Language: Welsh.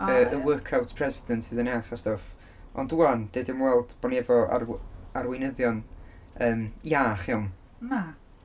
yy... A ie... y workout president sydd yn iach a stwff. Ond 'wan dydy o'm i weld bod ni efo ar- arweinyddion yym iach iawn... Na.